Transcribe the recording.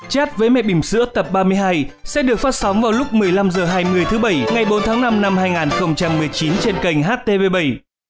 chát với mẹ bỉm sữa tập ba mươi hai sẽ được phát sóng vào lúc mười lăm giờ hai mươi thứ bảy ngày bốn tháng năm năm hai ngàn không trăm mười chín trên kênh hát tê vê bảy